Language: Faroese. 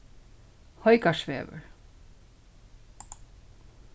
hoygarðsvegur